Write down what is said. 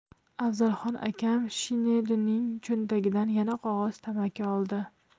afzalxon akam shinelining cho'ntagidan yana qog'oz tamaki oldi